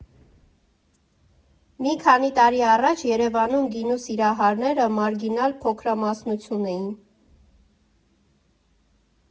Մի քանի տարի առաջ Երևանում գինու սիրահարները մարգինալ փոքրամասնություն էին։